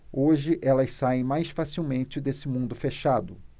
hoje elas saem mais facilmente desse mundo fechado